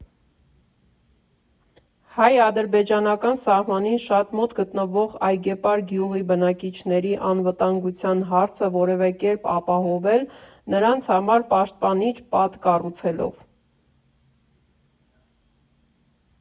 Հայ֊ադրբեջանական սահմանին շատ մոտ գտնվող Այգեպար գյուղի բնակիչների անվտանգության հարցը որևէ կերպ ապահովել՝ նրանց համար պաշտպանիչ պատ կառուցելով։